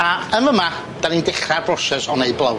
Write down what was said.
A yn fyma, 'da ni'n dechra'r broses o neud blowd